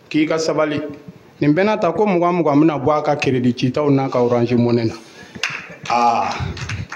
K'i ka sabali nin bɛna ta ko muganmugan bɛna bɔ a ka crédit citaw n'a ka Orange Money na aa